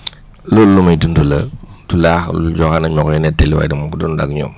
loolu lu may dund la là jotoon nañ ma koy nettali waaye dama dund ak ñoom